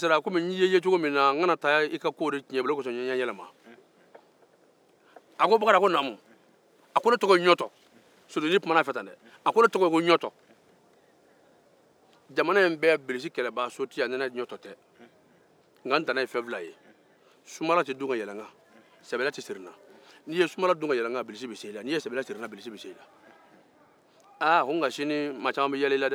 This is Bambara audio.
a ko ne tɔgɔ ye ko ɲɔɔtɔ jamana in bɛɛ bilisi kɛlɛbaga so tɛ yan ni ne ɲɔɔtɔ tɛ nka n tɛnɛ ye fɛn fila ye sumbala tɛ dun ka yɛlɛ ne kan ni i ye sumbala dun ka yɛlɛ n kan bilisi bɛ se i la aa a ko nka sini mɔgɔ caama bɛ yɛlɛ i la dɛ